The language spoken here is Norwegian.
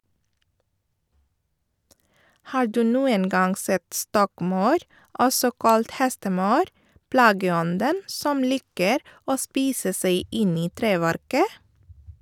Har du noen gang sett stokkmaur, også kalt hestemaur, plageånden som liker å spise seg inn i treverket?